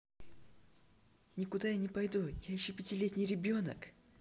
никуда я не пойду я ищу пятилетний ребенок